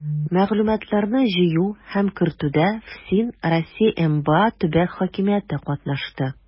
Мәгълүматларны җыю һәм кертүдә ФСИН, Россия ФМБА, төбәк хакимияте катнашты.